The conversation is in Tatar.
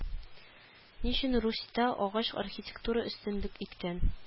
Ни өчен русьта агач архитектура өстенлек иткән